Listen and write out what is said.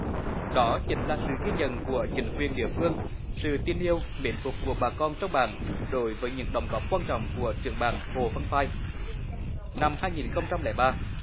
đó chính là sự ghi nhận của chính quyền địa phương sự tin yêu mến phục của bà con trong bản đối với những đóng góp quan trọng của trưởng bản hồ văn phai năm hai nghìn không trăm lẻ ba